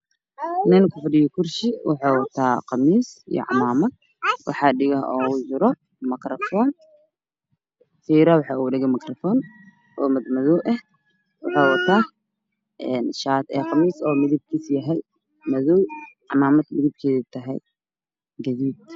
Nin ku fadhiyo kursi waxa ku dhegan makerofoo mideb kiisu yahay madow